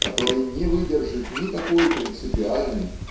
которой не выдержит никакой принципиальный